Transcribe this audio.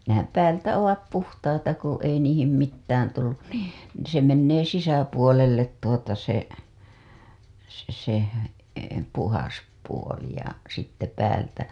nehän päältä ovat puhtaita kun ei niihin mitään tullut niin se menee sisäpuolelle tuota se se se puhdas puoli ja sitten päältä